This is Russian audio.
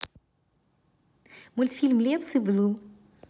мультфильм лепс и blue